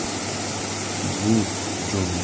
bu jon boynning